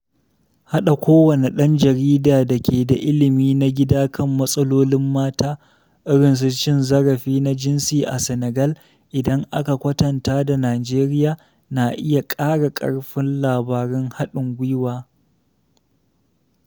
Haɗa kowanne ɗan jarida da ke da ilimi na gida kan matsalolin mata – irin su cin zarafi na jinsi a Senegal idan aka kwatanta da Najeriya – na iya ƙara ƙarfin labarun haɗin gwiwa.